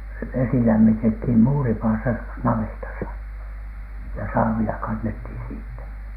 vesi lämmitettiin muuripadassa navetassa ja saavilla kannettiin siitä